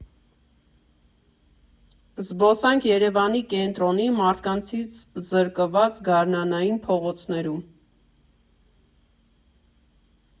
Զբոսանք Երևանի կենտրոնի՝ մարդկանցից զրկված գարնանային փողոցներում։